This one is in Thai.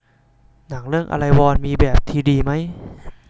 หนังเรื่องอะไรวอลมีแบบทรีดีมั้ย